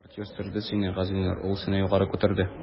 Партия үстерде сине, Газинур, ул сине югары күтәрде.